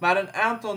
maar een aantal nieuwbouwverdichtingsplannen